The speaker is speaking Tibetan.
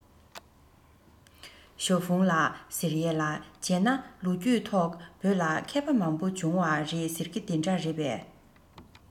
ཞའོ ཧྥུང ལགས ཟེར ཡས ལ བྱས ན ལོ རྒྱུས ཐོག བོད ལ མཁས པ མང པོ བྱུང བ རེད ཟེར གྱིས དེ འདྲ རེད པས